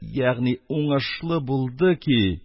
Ягъни унышлы булды ки